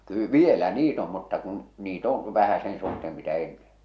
- vielä niitä on mutta kun niitä on vähän sen suhteen mitä ennen